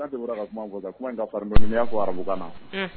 Kante bɔra ka kuma mun sisan kuma in ka fararin dɔɔni ni ya fɔ arabukan na.